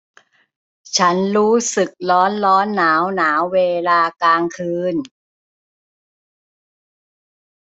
ฉันรู้สึกร้อนร้อนหนาวหนาวเวลากลางคืน